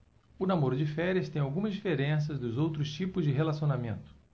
o namoro de férias tem algumas diferenças dos outros tipos de relacionamento